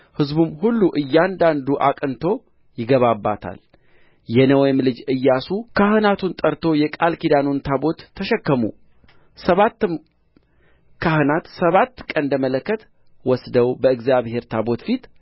ሕዝቡም ሁሉ እያንዳንዱ አቅንቶ ይገባባታል የነዌም ልጅ ኢያሱ ካህናቱን ጠርቶ የቃል ኪዳኑን ታቦት ተሸከሙ ሰባትም ካህናት ሰባት ቀንደ መለከት ወስደው በእግዚአብሔር ታቦት ፊት